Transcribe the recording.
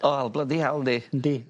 O wel blydi hell 'di. Yndi.